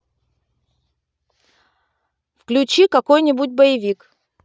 включи какой нибудь боевик